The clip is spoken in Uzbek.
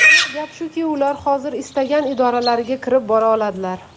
aniq gap shuki ular hozir istagan idoralariga kirib bora oladilar